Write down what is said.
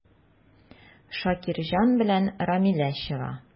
Шакирҗан белән Рамилә чыга.